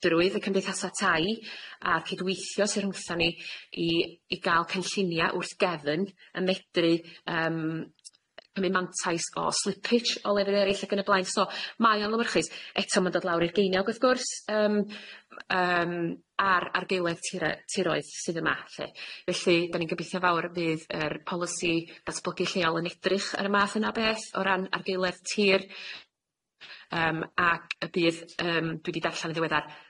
y cymdeithasa tai a cydweithio sy'n rhwntha ni i i ga'l cynllunia wrth gefn yn medru yym cymryd mantais o slippage o lefydd eryll ag yn y blaen so mae o'n lywyrchus eto ma'n dod lawr i'r geiniog wrth gwrs yym yym a'r argeuledd tira- tiroedd sydd yma lly felly 'dan ni'n gobeithio fawr y fydd yr polisi datblygu lleol yn edrych ar y math yna o beth o ran argeuledd tir yym ac y bydd yym dwi 'di darllan yn ddiweddar